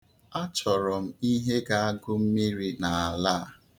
Achọrọ m ihe ga-agụ mmiri n'ala a.